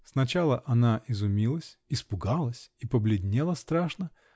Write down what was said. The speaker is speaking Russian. Сначала она изумилась, испугалась и побледнела страшно.